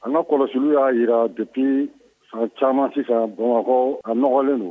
An ka kɔlɔsiliw y'a jira depuis san caaman sisan, Bamakɔ, a nɔgɔlen don.